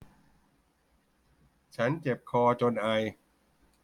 ฉันเจ็บคอจนไอ